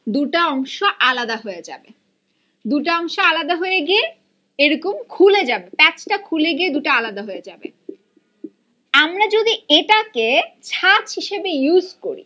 দুটা অংশ আলাদা হয়ে যাবে দুটা অংশ আলাদা হয়ে গিয়ে এরকম খুলে যাবে প্যাচটা খুলে গিয়ে দুটা আলাদা হয়ে যাবে আমরা যদি এটাকে ছাঁচ হিসেবে ইউজ করি